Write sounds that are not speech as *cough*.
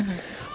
*hesitation* *hesitation* *noise* loolu engrais